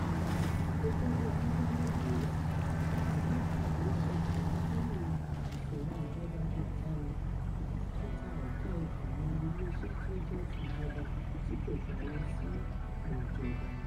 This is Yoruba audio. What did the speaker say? Gẹ́gẹ́ bí amúgbálẹ́gbẹ̀ẹ́, Abubakar ni ó ṣe bònkárí ìsọhun-ìjọba-di-àdáni àti títa ọ̀kẹ́ àìmọye ilé iṣẹ́ tí ó jẹ́ ti ìjọba tí kò pa owó sí àpò ìjọba.